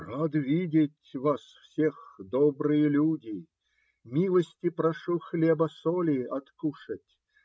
- Рад видеть вас всех, добрые люди: милости прошу хлеба-соли откушать.